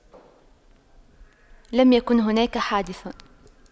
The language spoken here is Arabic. لم يكن هناك حادث